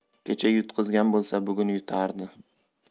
kecha yutqizgan bo'lsa bugun yutardi